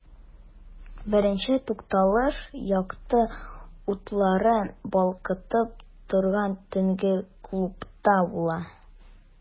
Беренче тукталыш якты утларын балкытып торган төнге клубта була.